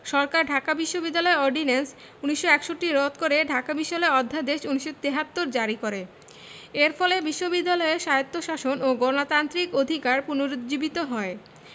সরকার ঢাকা বিশ্ববিদ্যালয় অর্ডিন্যান্স ১৯৬১ রদ করে ঢাকা বিশ্যালয় অধ্যাদেশ ১৯৭৩ জারি করে এর ফলে বিশ্ববিদ্যালয়ের স্বায়ত্তশাসন ও গণতান্ত্রিক অধিকার পুনরুজ্জীবিত হয়